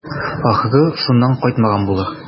Ахры, шуннан кайтмаган булыр.